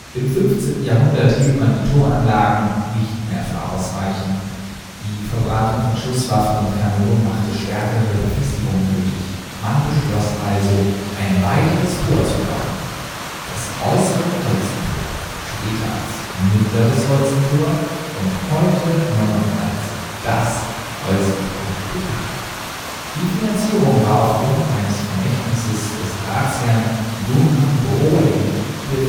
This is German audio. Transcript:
Im 15. Jahrhundert hielt man die Toranlagen nicht mehr für ausreichend. Die Verbreitung von Schusswaffen und Kanonen machte stärkere Befestigungen nötig. Man beschloss, ein weiteres Tor zu bauen – das Äußere Holstentor, später als Mittleres Holstentor und heute nur noch als das Holstentor bekannt. Die Finanzierung war aufgrund eines Vermächtnisses des Ratsherrn Johann Broling über 4.000